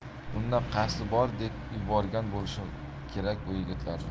unda qasdi bor bek yuborgan bo'lishi kerak bu yigitlarni